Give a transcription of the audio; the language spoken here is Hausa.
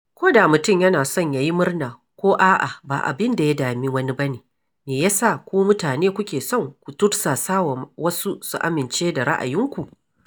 Ko da mutum yana son ya yi murnar ko a'a ba abin da ya dami wani ba, me ya sa ku mutane kuke son ku tursasawa wasu su amince da ra'ayinku?